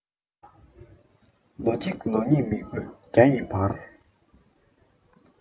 ལོ གཅིག ལོ གཉིས མི དགོས བརྒྱ ཡི བར